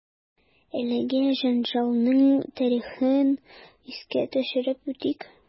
Әлеге җәнҗалның тарихын искә төшереп үтик.